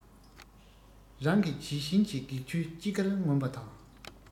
རང གི བྱད བཞིན གྱི སྒེག ཆོས ཅི འགར ངོམ པ དང